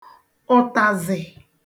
ụ̀tàzị̀